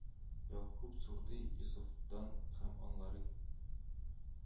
Йагъкуб сурдый Йосыфдан һәм анлари